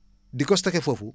di ko stocké foofu